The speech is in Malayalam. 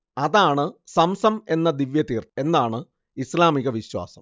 അതാണ് സംസം എന്ന ദിവ്യതീർത്ഥം എന്നാണ് ഇസ്ലാമിക വിശ്വാസം